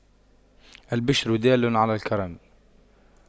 الْبِشْرَ دال على الكرم